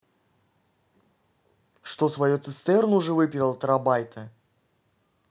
что свое цистерну уже выпила тарабайта